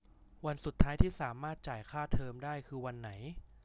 วันสุดท้ายที่สามารถจ่ายค่าเทอมได้คือวันไหน